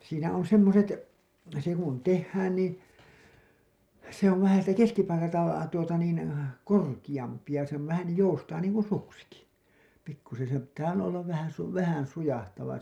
siinä on semmoiset se kun tehdään niin se on vähän siitä keskipaikalta tuota niin korkeampi ja se on vähän joustaa niin kuin suksikin pikkuisen sen pitää olla olla vähän vähän sujahtava